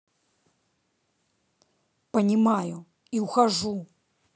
понимаю я ухожу